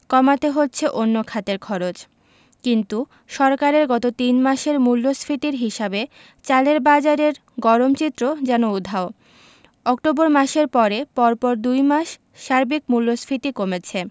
কমাতে হচ্ছে অন্য খাতের খরচ কিন্তু সরকারের গত তিন মাসের মূল্যস্ফীতির হিসাবে চালের বাজারের গরম চিত্র যেন উধাও অক্টোবর মাসের পরে পরপর দুই মাস সার্বিক মূল্যস্ফীতি কমেছে